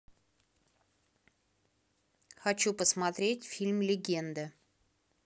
хочу посмотреть фильм легенда